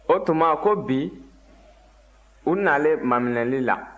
o tuma ko bi u nalen maminɛli la